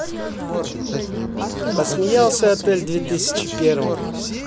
посмеялся отель две тысячи первом